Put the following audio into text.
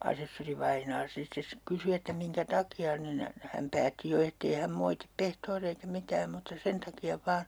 asessorivainaa sitten - kysyi että minkä takia niin hän päätti jo että ei hän moiti pehtoria eikä mitään mutta sen takia vain